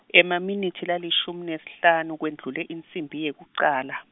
Emaminitsi lalishumi nesihlanu kwendlule insimbi yekucala.